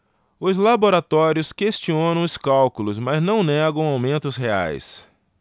os laboratórios questionam os cálculos mas não negam aumentos reais